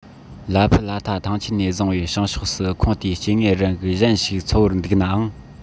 ལ ཕུ ལ ཐ ཐང ཆེན ནས བཟུང བའི བྱང ཕྱོགས སུ ཁོངས དེའི སྐྱེ དངོས རིགས གཞན ཞིག འཚོ བར འདུག ནའང